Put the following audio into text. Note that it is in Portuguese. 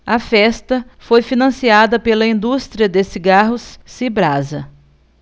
a festa foi financiada pela indústria de cigarros cibrasa